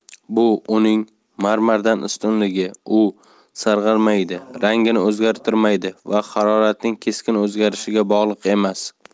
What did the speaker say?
bu uning marmardan ustunligi u sarg'aymaydi rangini o'zgartirmaydi va haroratning keskin o'zgarishiga bog'liq emas